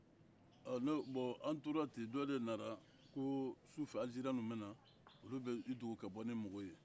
bon an tora ten dɔ de nana ko su fɛ algerien ninnu bɛ na olu bɛ i dogo ka bɔ ni mɔgɔw ye